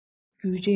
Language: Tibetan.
བརྒྱུད རིམ